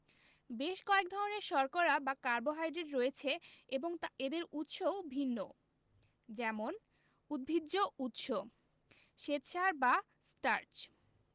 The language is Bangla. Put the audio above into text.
বেশ কয়েক ধরনের শর্করা বা কার্বোহাইড্রেট রয়েছে এবং এদের উৎস ও ভিন্ন যেমন উদ্ভিজ্জ উৎস শ্বেতসার বা স্টার্চ